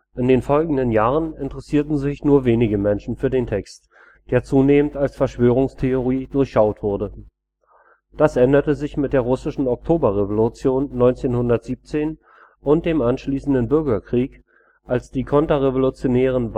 In den folgenden Jahren interessierten sich nur wenige Menschen für den Text, der zunehmend als Verschwörungstheorie durchschaut wurde. Das änderte sich mit der russischen Oktoberrevolution 1917 und dem anschließenden Bürgerkrieg, als die konterrevolutionären